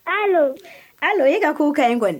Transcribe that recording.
Ala ala e ka k'u ka ɲi kɔni